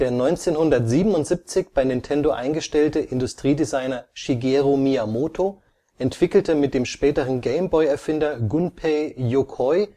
1977 bei Nintendo eingestellte Industriedesigner Shigeru Miyamoto (* 1952) entwickelte mit dem späteren Game-Boy-Erfinder Gunpei Yokoi